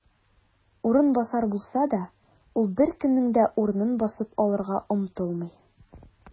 "урынбасар" булса да, ул беркемнең дә урынын басып алырга омтылмый.